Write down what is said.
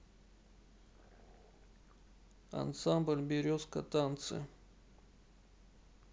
ансамбль березка танцы